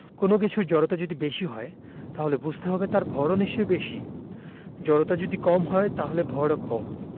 কোনো কিছুর জড়তা যদি বেশি হয় তাহলে বুঝতে হবে তার ভরও নিশ্চয়ই বেশি জড়তা যদি কম হয় তাহলে ভরও কম